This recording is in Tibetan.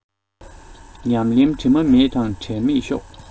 ཉམས ལེན དྲི མ མེད དང འབྲལ མེད ཤོག